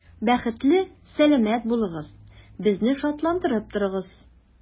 Бәхетле, сәламәт булыгыз, безне шатландырып торыгыз.